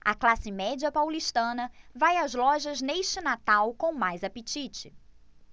a classe média paulistana vai às lojas neste natal com mais apetite